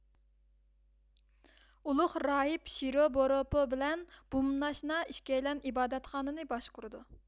ئۇلۇغ راھىب شىروبوروپو بىلەن بۇمناشنا ئىككىيلەن ئىبادەتخانىنى باشقۇرىدۇ